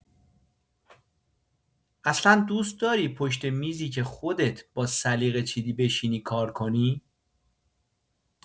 اصلا دوست‌داری پشت میزی که خودت با سلیقه چیدی بشینی کار کنی؟